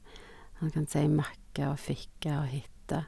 Han kan si macka og ficka og hitta.